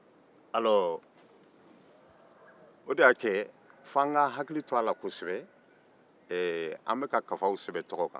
fo an k'an hakili to a la kosɛbɛ an bɛka kafaw sɛbɛn tɔgɔ kan